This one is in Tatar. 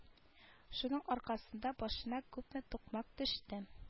Шуның аркасында башына күпме тукмак төште